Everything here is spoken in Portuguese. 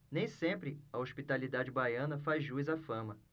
nem sempre a hospitalidade baiana faz jus à fama